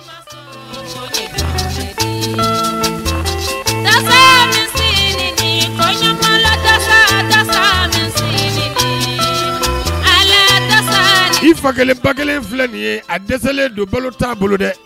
I fa kelen, ba kelen filɛ nin ye, a dɛsɛ don balo t' a bolo dɛ.